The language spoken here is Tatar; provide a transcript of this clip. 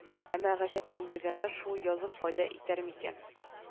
Әмма гаҗәпләндергәне шул язу файда итәр микән